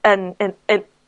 yn in in